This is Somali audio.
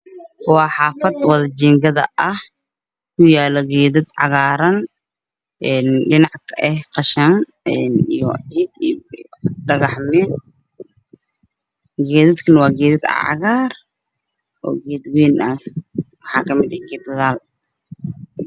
Waa xafad wada jiingad ah kiyalo geedo cagaran dhenac ka ah qashin io jid io dhagaxmin gedkan waa cagar